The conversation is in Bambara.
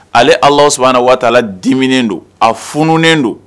Ale ala sɔnna a watala diminnen don a fununuunnen don